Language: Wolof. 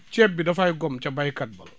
ceeb bi dafay gom ca baykat ba la